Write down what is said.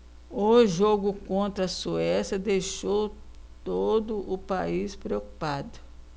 o jogo contra a suécia deixou todo o país preocupado